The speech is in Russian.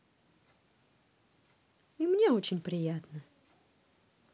и мне очень приятно